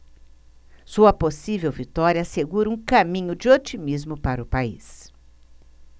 sua possível vitória assegura um caminho de otimismo para o país